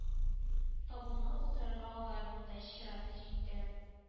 Табунга утырырга аларның да чираты җитте